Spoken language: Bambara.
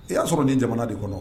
I y'a sɔrɔ nin jamana de kɔnɔ